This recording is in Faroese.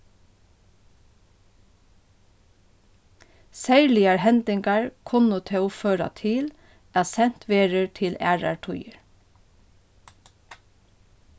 serligar hendingar kunnu tó føra til at sent verður til aðrar tíðir